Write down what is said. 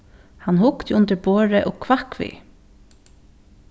hann hugdi undir borðið og hvakk við